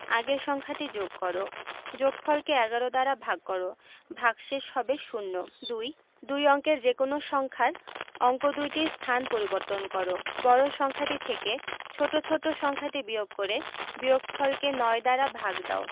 আগের সংখ্যাটি যোগ কর যোগফল কে ১১ দ্বারা ভাগ কর ভাগশেষ হবে শূন্য ২ দুই অঙ্কের যেকোনো সংখ্যার অঙ্ক দুইটির স্থান পরিবর্তন কর বড় সংখ্যাটি থেকে ছোট ছোট সংখ্যাটি বিয়োগ করে বিয়োগফলকে ৯ দ্বারা ভাগ দাও